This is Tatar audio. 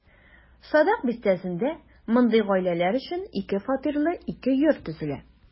Садак бистәсендә мондый гаиләләр өчен ике фатирлы ике йорт төзелә.